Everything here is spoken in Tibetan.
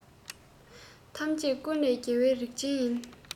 ཐམས ཅད ཀུན ལས རྒྱལ བའི རིག ཅན ཡིན